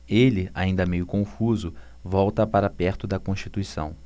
ele ainda meio confuso volta para perto de constituição